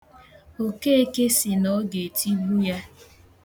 Okeke sị na ọ ga-etigbu ya.